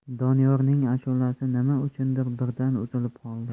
doniyorning ashulasi nima uchundir birdan uzilib qoldi